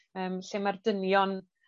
yym lle ma'r dynion